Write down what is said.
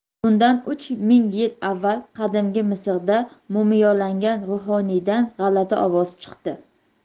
bundan uch ming yil avval qadimgi misrda mumiyolangan ruhoniydan g'alati ovoz chiqdi